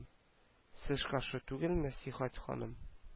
Сез каршы түгелме сихәт ханым